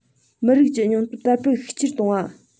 མི རིགས ཀྱི སྙིང སྟོབས དར སྤེལ ཤུགས ཆེན གཏོང བ